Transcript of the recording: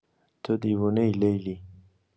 تو دیوانه‌ای لیلی.